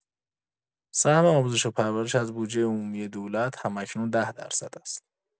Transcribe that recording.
سهم آموزش و پرورش از بودجه عمومی دولت هم‌اکنون ۱۰ درصد است.